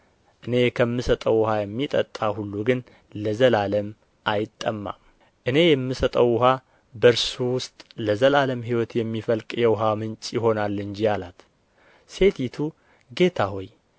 እኔ ከምሰጠው ውኃ የሚጠጣ ሁሉ ግን ለዘላለም አይጠማም እኔ የምሰጠው ውኃ በእርሱ ውስጥ ለዘላለም ሕይወት የሚፈልቅ የውኃ ምንጭ ይሆናል እንጂ አላት ሴቲቱ ጌታ ሆይ